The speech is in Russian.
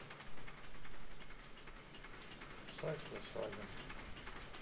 шаг за шагом